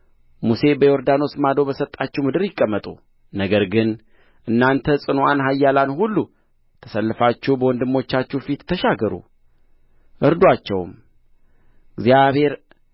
ሙሴ በዮርዳኖስ ማዶ በሰጣችሁ ምድር ይቀመጡ ነገር ግን እናንተ ጽኑዓን ኃያላን ሁሉ ተሰልፋችሁ በወንድሞቻችሁ ፊት ተሻገሩ እርዱአቸውም እግዚአብሔር